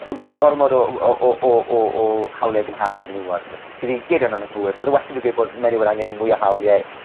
o go- gormod o w- yy o o o o o hawlie i gymhara 'da fenywod f- fi 'di geirio na'n anghywir. Bydde well 'da fi gweud bod menyw yn angen mwy o hawlie